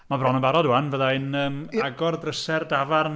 Mae bron yn barod 'wan, fyddai'n agor drysau'r dafarn...